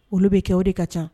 Olu bɛ kɛ o de ka ca